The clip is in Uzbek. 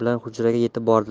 bilan hujraga yetib bordilar